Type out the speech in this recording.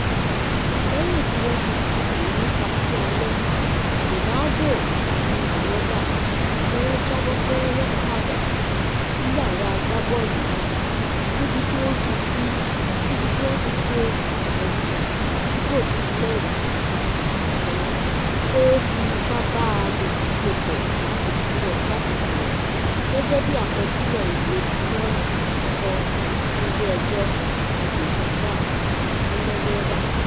Lẹ́yìn tí wọ́n ti padé ní pátí alẹ́, Ronaldao àti Mayorga ní wọ́n jábọ̀ pé wọn padà sí yàrá agbábọ̀ọ̀lù náà., níbi tí wọn ti fé ẹ̀sùn tí kò tíì lẹ́rìí k[sn pé ó fi ìpa báá a lòpọ̀ láti fùrọ̀, gẹ́gẹ́bí àkọ̀sílẹ̀ ìwé tí wọ̀n kọ ní Ilé ẹjọ Agbègbe Clark ní́ Nevada.